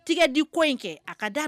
A tɛgɛ di kɔ in kɛ a ka da